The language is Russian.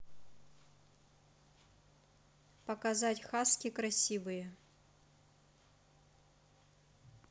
показать хаски красивые